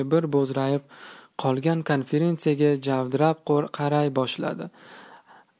bir bo'zrayib qolgan konferansyega javdirab qaray boshladi